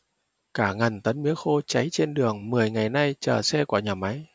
cả ngàn tấn mía khô cháy trên đường mười ngày nay chờ xe của nhà máy